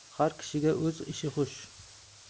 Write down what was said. har kishiga o'z ishi xush